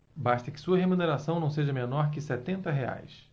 basta que sua remuneração não seja menor que setenta reais